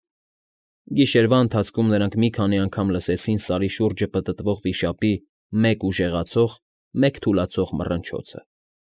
Գիշերվա ընթացքում նրանք մի քանի անգամ լսեցին Սարի շուրջը պտտվող վիշապի մեկ ուժեղացող, մեկ թուլացող մռնչոցը։